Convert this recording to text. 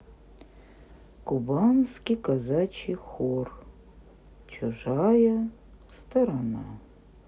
кубанский казачий хор чужая сторона